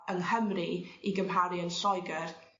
yng Nghymru i gymharu yn Lloegyr